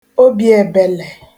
obìèbèlè